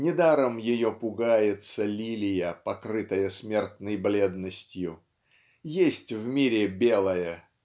недаром ее пугается лилия, покрытая смертной бледностью. Есть в мире белое